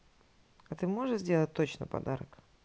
а ты можешь сделать точно подарок